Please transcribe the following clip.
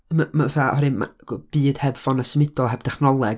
m- ma' fatha, oherwydd, ma', go- byd heb ffonau symudol, heb dechnoleg...